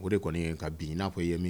O de kɔni ye ka bin i n'a fɔ i ye min